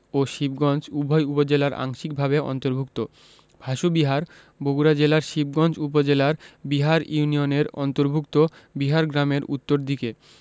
ও শিবগঞ্জ উভয় উপজেলায় আংশিকভাবে অন্তর্ভুক্ত ভাসু বিহার বগুড়া জেলার শিবগঞ্জ উপজেলার বিহার ইউনিয়নের অন্তর্ভুক্ত বিহার গ্রামের উত্তর দিকে